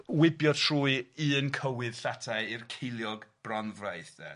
wibio trwy un cywydd llatai i'r ceiliog bronfraith de.